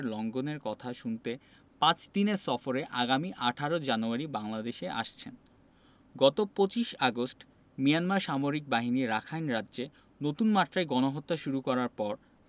Yanghee Lee রোহিঙ্গাদের কাছ থেকে তাদের মানবাধিকার লঙ্ঘনের কথা শুনতে পাঁচ দিনের সফরে আগামী ১৮ জানুয়ারি বাংলাদেশে আসছেন গত ২৫ আগস্ট মিয়ানমার সামরিক বাহিনী রাখাইন রাজ্যে